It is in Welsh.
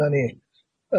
'Na ni.